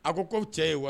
A ko k'aw cɛ ye wa